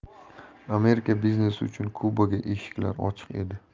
amerika biznesi uchun kubaga eshiklari ochiq edi